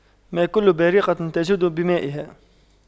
ما كل بارقة تجود بمائها